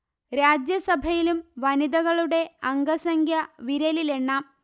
രാജ്യസഭയിലും വനിതകളുടെ അംഗസംഖ്യ വിരലിലെണ്ണാം